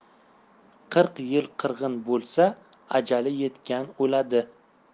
qirq yil qirg'in bo'lsa ajali yetgan o'ladi